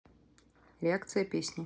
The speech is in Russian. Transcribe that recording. реакция песни